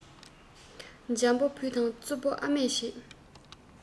འཇམ པ བུ དང རྩུབ པ ཨ མས བྱེད